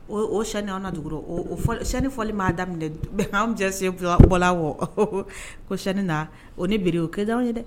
O sani an na dugu sanini fɔli m'a daminɛ cɛ sen filabɔ la ko sni na o ni bi o kɛ anw ye dɛ